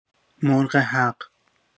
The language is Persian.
مرغ‌حق